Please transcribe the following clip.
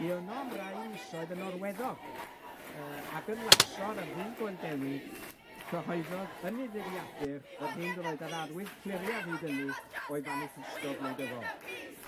Bu yno am rai misoedd yn orweddog yy ag yn Luxor ar ddydd Gweld Dewi, cyhoeddodd yn ei ddyddiadur yr hyn roedd yr arwydd cliriaf hyd ynny o'i faniffesto gwleidyddol.